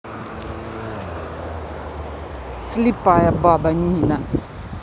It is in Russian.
слепая баба нина